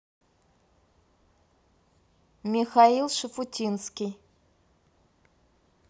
михаил шуфутинский